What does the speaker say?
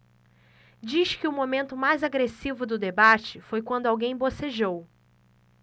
diz que o momento mais agressivo do debate foi quando alguém bocejou